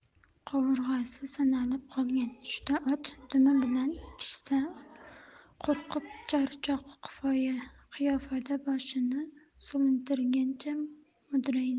qovurg'asi sanalib qolgan uchta ot dumi bilan pashsha qo'rib charchoq qiyofada boshini solintirgancha mudraydi